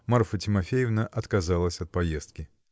Марфа Тимофеевна отказалась от поездки.